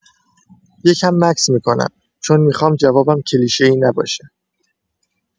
یه کم مکث می‌کنم، چون می‌خوام جوابم کلیشه‌ای نباشه.